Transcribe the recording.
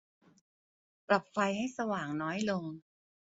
ปรับไฟให้สว่างน้อยลง